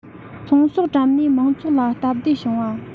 ཚོང ཟོག བཀྲམ ནས མང ཚོགས ལ སྟབས བདེ བྱུང བ